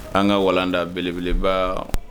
An ka walalanda belebeleba